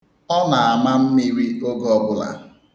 Ọ na-ama mmiri oge ọ bụla.